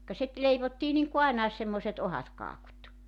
ka sitten leivottiin niin kuin ainakin semmoiset ohuet kakut